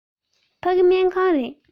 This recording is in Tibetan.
ཕ གི སྨན ཁང རེད